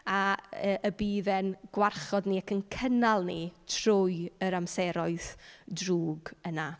A yy y bydd e'n gwarchod ni ac yn cynnal ni trwy yr amseroedd drwg yna.